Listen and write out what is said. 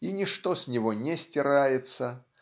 и ничто с него не стирается.